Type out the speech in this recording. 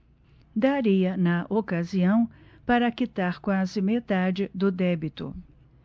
daria na ocasião para quitar quase metade do débito